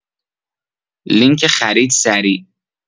لینک خرید سریع